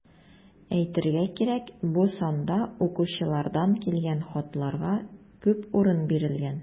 Әйтергә кирәк, бу санда укучылардан килгән хатларга күп урын бирелгән.